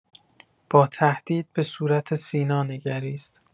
با تهدید به صورت سینا نگریست.